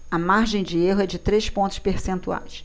a margem de erro é de três pontos percentuais